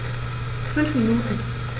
5 Minuten